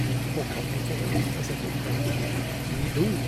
Vi håper at vi får lov til å sette opp en ny do.